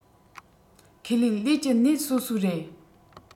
ཁས ལེན ལུས ཀྱི གནས སོ སོའི རེད